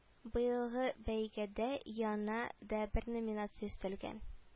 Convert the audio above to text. Быелгы бәйгедә яна дә бер номинация өстәлгән